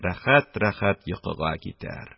Рәхәт-рәхәт йокыга китәр.